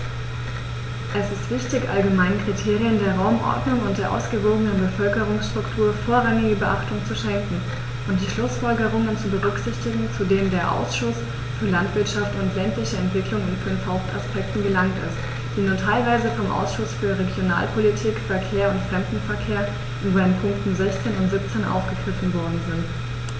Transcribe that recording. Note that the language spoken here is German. Es ist wichtig, allgemeinen Kriterien der Raumordnung und der ausgewogenen Bevölkerungsstruktur vorrangige Beachtung zu schenken und die Schlußfolgerungen zu berücksichtigen, zu denen der Ausschuss für Landwirtschaft und ländliche Entwicklung in fünf Hauptaspekten gelangt ist, die nur teilweise vom Ausschuss für Regionalpolitik, Verkehr und Fremdenverkehr in seinen Punkten 16 und 17 aufgegriffen worden sind.